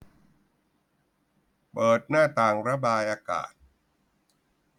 เปิดหน้าต่างระบายอากาศ